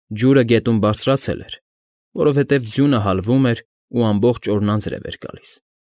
Ջուրը գետում բարձրացել էր, որովհետև ձյունը հալվում էր ու ամբողջ օրն անձրև էր գալիս։